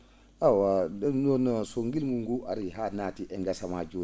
awa ?um noon so ngilngu nguu arii haa naatii e gesa maa jooni